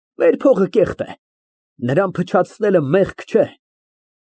Մեր փողը կեղտ է, նրան փչացնելը մեղք չէ։